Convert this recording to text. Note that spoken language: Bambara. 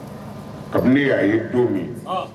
Kabini a ye don min